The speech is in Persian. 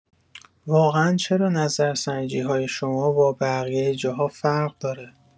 واقعا چرا نظرسنجی‌های شما با بقیه جاها فرق داره؟